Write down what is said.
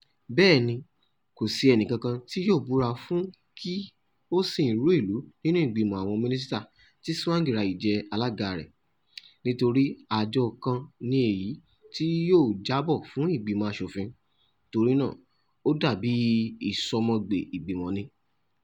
Bẹ́ẹ̀ni, kò sí ẹnì kankan tí wọn yóò búra fún kí ó sìn rú ìlú nínú ìgbìmọ̀ àwọn Mínísítà (tí Tsavangirai jẹ́ alága rẹ̀), nítorí àjọ kan ni èyí tí yóò jábọ̀ fún ìgbìmọ̀ aṣòfin, torí náà ó dà bí ìsọmọgbẹ̀ ìgbìmọ̀ ni.